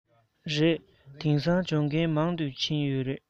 རེད དེང སང སྦྱོང མཁན མང དུ ཕྱིན ཡོད རེད